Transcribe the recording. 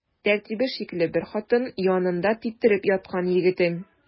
Тәртибе шикле бер хатын янында типтереп яткан егетең.